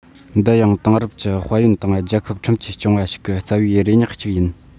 འདི ཡང དེང རབས ཀྱི དཔལ ཡོན དང རྒྱལ ཁབ ཁྲིམས ཀྱིས སྐྱོང བ ཞིག གི རྩ བའི རེ བ ཉག གཅིག ཡིན